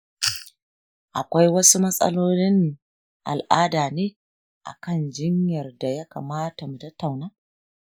akwai wasu matsalolin al'ada ne akan jinyar daya kamata mu tattauna?